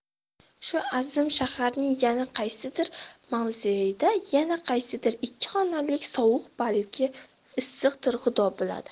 shu azim shaharning yana qaysidir mavzeida yana qaysidir ikki xonalik sovuq balki issiqdir xudo biladi